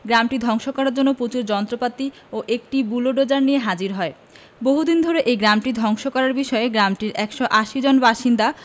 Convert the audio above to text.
গ্রামটি ধ্বংস করার জন্য প্রচুর যন্ত্রপাতি ও একটি বুলোডোজার নিয়ে হাজির হয় বহুদিন ধরে এই গ্রামটি ধ্বংস করার বিষয়ে গ্রামটির ১৮০ জন বাসিন্দা